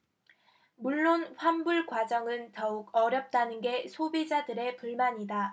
물론 환불과정은 더욱 어렵다는 게 소비자들의 불만이다